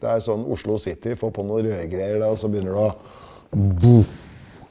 det er sånn Oslo City få på noe rørgreier da så begynner du å .